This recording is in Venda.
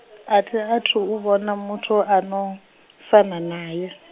a thi athu u vhona muthu ano, fana naye.